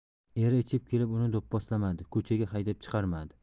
eri ichib kelib uni do'pposlamadi ko'chaga haydab chiqarmadi